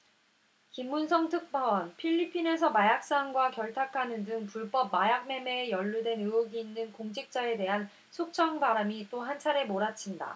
김문성 특파원 필리핀에서 마약상과 결탁하는 등 불법 마약 매매에 연루된 의혹이 있는 공직자에 대한 숙청 바람이 또 한차례 몰아친다